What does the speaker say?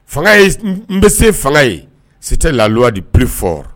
Fanga ye n bɛ se fanga ye si tɛ laluwa di p fɔ